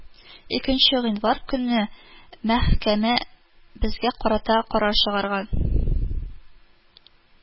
Икенче гыйнвар көнне мәхкәмә безгә карата карар чыгарган